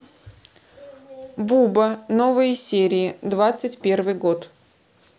буба новые серии двадцать первый год